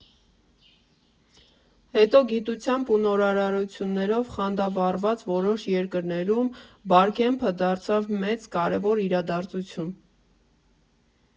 Հետո գիտությամբ ու նորարարություններով խանդավառված՝ որոշ երկրներում Բարքեմփը դարձավ մեծ, կարևոր իրադարձություն։